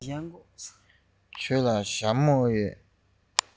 ཁྱེད རང ལ ཞྭ མོ ཡོད པས